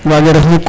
Waagee ref mukk